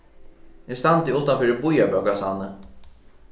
eg standi uttan fyri býarbókasavnið